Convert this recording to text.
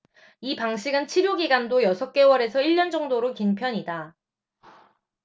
이 방식은 치료 기간도 여섯 개월 에서 일 년 정도로 긴 편이다